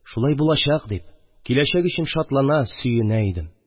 Шулай булачак дип, киләчәк өчен шатлана, сөенә идем